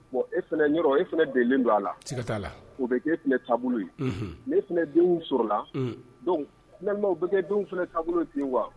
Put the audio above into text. Bon e fana yɔrɔ e fana delilen don a la, siga t'a la, o bɛ kɛ e fana taabolo ye, unhun, n'e fana ye den min sɔrɔ o la, unhun donc finalement o bɛ kɛ denw fana taabolo ye ten quoi